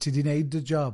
Ti di wneud dy job.